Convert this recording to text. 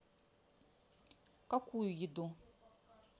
какую еду